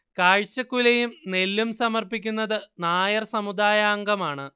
കാഴ്ചക്കുലയും നെല്ലും സമർപ്പിക്കുന്നത് നായർ സമുദായാംഗമാണ്